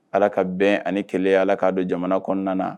Ala ka bɛn ani kɛlen ala k'a don jamana kɔnɔna na